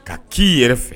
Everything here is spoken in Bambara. Ka k'i yɛrɛ fɛ.